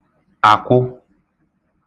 àkwụ